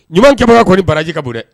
Ɲuman kɛbaga kɔni baraji ka bon dɛ